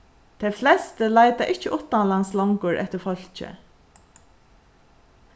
tey flestu leita ikki uttanlands longur eftir fólki